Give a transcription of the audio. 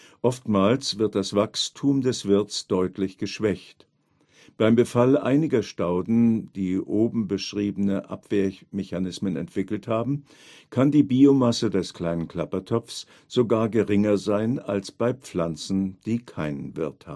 oftmals wird das Wachstum des Wirts deutlich geschwächt. Beim Befall einiger Stauden, die oben beschriebene Abwehrmechanismen entwickelt haben, kann die Biomasse des Kleinen Klappertopf sogar geringer sein als bei Pflanzen, die keinen Wirt finden